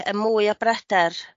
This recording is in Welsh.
yy mwy o bryder